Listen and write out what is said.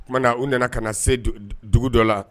O tumana na u nana ka na se dugu dɔ la